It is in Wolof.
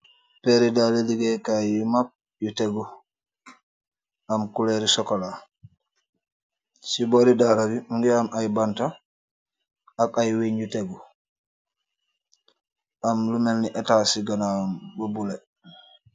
Perri daala legeeyeh kai yu maag yu tegu aam coluri chocola si bori dala bi mogi aam ay banda ak ay weng u tegu am lu melni estas si ganawam bu bulo.